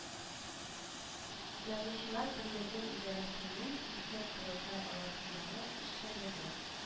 Язучылар берлеге идарәсенең ике корылтай арасындагы эшчәнлеге